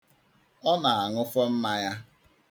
Ọ na-aṅụfọ mmanya.